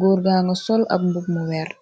gór ganga sol ab mbub mu wert.